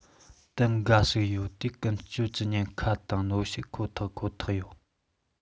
ཏན འགའ ཞིག ཡོད དེ ཀུན སྤྱོད ཀྱི ཉེན ཁ དང གནོན ཤུགས ཁོ ཐག ཁོ ཐག རེད